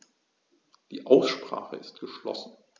Die Aussprache ist geschlossen.